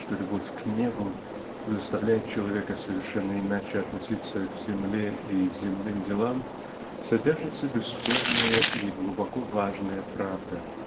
что любовь к "небу" заставляет человека совершенно иначе относиться к "земле" и земным делам содержится бесспорная и глубоко важная правда.